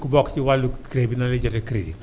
ku bokk ci wàllu crédit nan lay jotee crédit